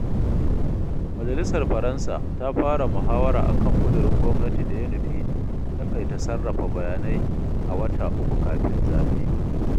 Majalisar Faransa ta fara muhawara akan ƙudirin gwamnati da ya nufi taƙaita 'sarrafa bayanai' a wata uku kafin zaɓe.